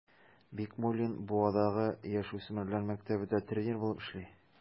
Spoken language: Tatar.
Бикмуллин Буадагы яшүсмерләр мәктәбендә тренер булып эшли.